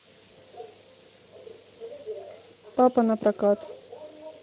папа на прокат